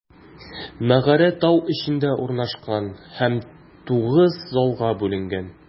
Мәгарә тау эчендә урнашкан һәм тугыз залга бүленгән.